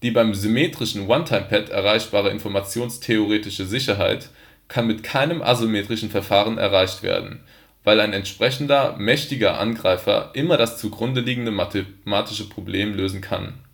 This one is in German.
beim symmetrischen One-Time-Pad erreichbare informationstheoretische Sicherheit kann mit keinem asymmetrischen Verfahren erreicht werden, weil ein entsprechend mächtiger Angreifer immer das zugrundeliegende mathematische Problem lösen kann